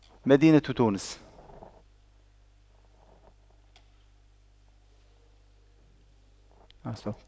مدينة تونس